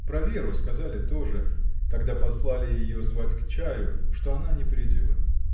Про Веру сказали тоже, когда послали ее звать к чаю, что она не придет.